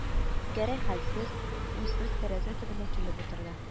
Гәрәй хәлсез, уйсыз тәрәзә төбенә килеп утырды